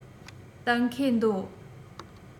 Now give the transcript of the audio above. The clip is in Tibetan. གཏན འཁེལ འདོད